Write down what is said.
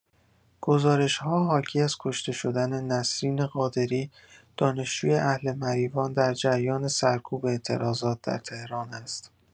گزارش‌ها حاکی‌از کشته شدن نسرین قادری دانشجوی اهل مریوان در جریان سرکوب اعتراضات در تهران است.